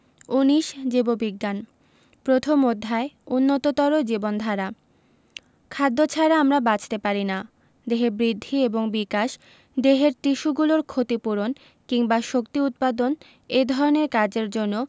১৯ জীববিজ্ঞান প্রথম অধ্যায় উন্নততর জীবনধারা খাদ্য ছাড়া আমরা বাঁচতে পারি না দেহের বৃদ্ধি এবং বিকাশ দেহের টিস্যুগুলোর ক্ষতি পূরণ কিংবা শক্তি উৎপাদন এ ধরনের কাজের জন্য